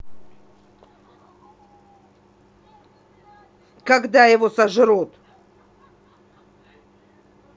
когда его сожрут